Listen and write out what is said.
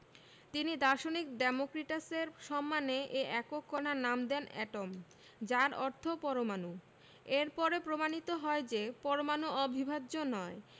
তিনি দার্শনিক ডেমোক্রিটাসের সম্মানে এ একক কণার নাম দেন এটম যার অর্থ পরমাণু এর পরে প্রমাণিত হয় যে পরমাণু অবিভাজ্য নয়